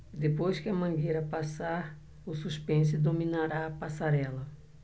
depois que a mangueira passar o suspense dominará a passarela